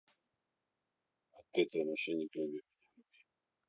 отпетые мошенники люби меня люби